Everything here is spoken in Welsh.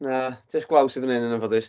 Na, jyst glaw sy fan hyn yn anffodus.